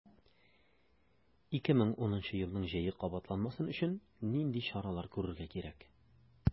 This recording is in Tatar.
2010 елның җәе кабатланмасын өчен нинди чаралар күрергә кирәк?